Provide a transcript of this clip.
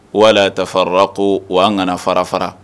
Wala dafafarala ko o'an kana fara fara